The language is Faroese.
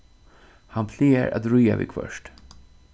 hann plagar at ríða viðhvørt